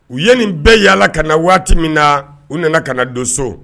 U ye nin bɛɛ yaala ka na waati min na u nana ka na don so